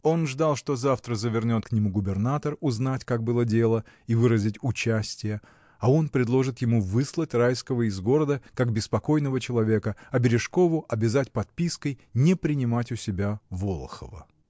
Он ждал, что завтра завернет к нему губернатор, узнать, как было дело, и выразить участие, а он предложит ему выслать Райского из города, как беспокойного человека, а Бережкову обязать подпиской не принимать у себя Волохова.